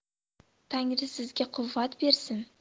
tangri sizga quvvat bersin